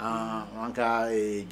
Aa an ka jan